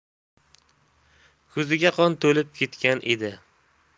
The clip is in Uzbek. ko'ziga qon to'lib ketgan edi